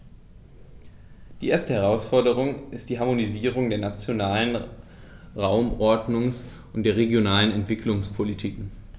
Die erste Herausforderung ist die Harmonisierung der nationalen Raumordnungs- und der regionalen Entwicklungspolitiken.